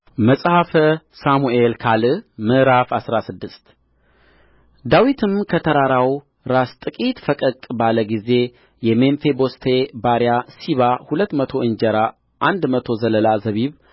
መጽሐፈ ሳሙኤል ካል ምዕራፍ አስራ ስድስት ዳዊትም ከተራራው ራስ ጥቂት ፈቀቅ ባለ ጊዜ የሜምፊቦስቴ ባሪያ ሲባ ሁለት መቶ እንጀራ አንድ መቶም ዘለላ ዘቢብ